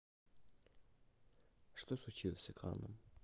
что случилось с экраном